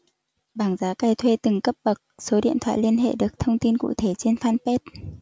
bảng giá cày thuê từng cấp bậc số điện thoại liên hệ được thông tin cụ thể trên fanpage